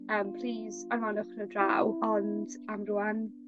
yym plîs anfonwch n'w draw ond am rŵan